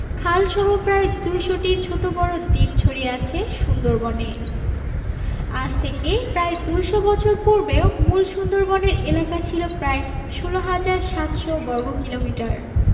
খালসহ প্রায় ২০০টি ছোট বড় দ্বীপ ছড়িয়ে আছে সুন্দরবনে আজ থেকে প্রায় ২০০ বছর পূর্বেও মূল সুন্দরবনের এলাকা ছিল প্রায় ১৬ হাজার ৭০০ বর্গ কিলোমিটার